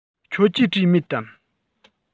ཁྱོད ཀྱིས བྲིས མེད དམ